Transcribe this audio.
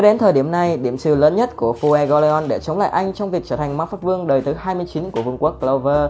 cho đến thời điểm này điểm trừ lớn nhất của fuegoleon để chống lại anh trong việc trở thành mvp đời thứ của vương quốc clover